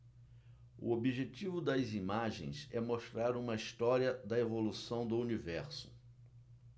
o objetivo das imagens é mostrar uma história da evolução do universo